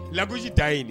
Labsi t ta ye yen